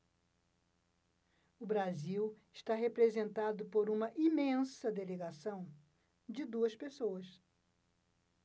o brasil está representado por uma imensa delegação de duas pessoas